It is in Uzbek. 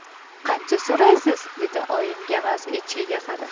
qancha so'raysiz dedi oyimgamas echkiga qarab